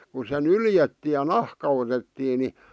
kun se nyljettiin ja nahka otettiin niin